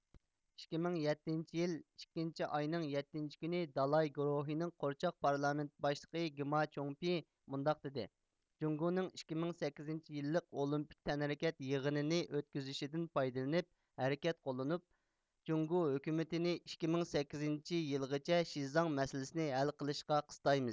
ئىككى مىڭ يەتتىنچى يىل ئىككىنچى ئاينىڭ يەتتىنچى كۈنى دالاي گۇرۇھىنىڭ قورچاق پارلامېنت باشلىقى گېماچۈڭپېي مۇنداق دېدى جۇڭگونىڭ ئىككى مىڭ سەككىزىنچى يىللىق ئولىمپىك تەنھەركەت يېغىنىنى ئۆتكۈزۈشىدىن پايدىلىنىپ ھەرىكەت قوللىنىپ جۇڭگو ھۆكۈمىتىنى ئىككى مىڭ سەككىزىنچى يىلغىچە شىزاڭ مەسىلىسىنى ھەل قىلىشقا قىستايمىز